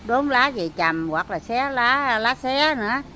đốn lá về chằm hoặc là xé lá lá xé nữa